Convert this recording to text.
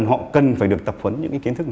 họ cần phải được tập huấn những kiến thức